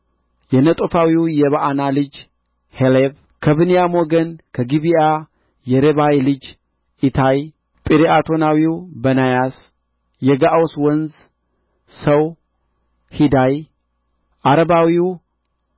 የነጦፋዊው የበዓና ልጅ ሔሌብ ከብንያም ወገን ከጊብዓ የሪባይ ልጅ ኢታይ ጲርዓቶናዊው በናያስ የገዓስ ወንዝ ሰው ሂዳይ ዓረባዊው